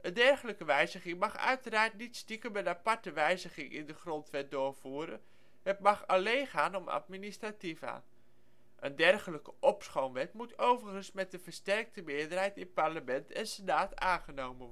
Een dergelijke wijziging mag uiteraard niet stiekem een aparte wijziging in de Grondwet doorvoeren – het mag alleen gaan om administrativa. Een dergelijke opschoonwet moet overigens met een versterkte meerderheid in parlement en senaat aangenomen